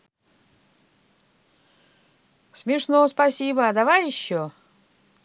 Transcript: смешно спасибо давай еще